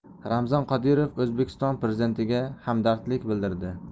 ramzan qodirov o'zbekiston prezidentiga hamdardlik bildirdi